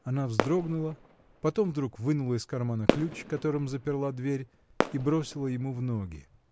Она вздрогнула, потом вдруг вынула из кармана ключ, которым заперла дверь, и бросила ему в ноги.